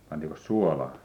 pantiinkos suolaa